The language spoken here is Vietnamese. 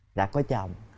đã có chồng